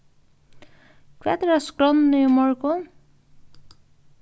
hvat er á skránni í morgun